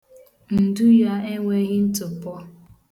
Ndu ya enweghị ntụpọ.